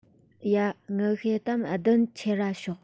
ཡ ངའ ཤེལ དམ བདུན ཁྱེར ར ཤོག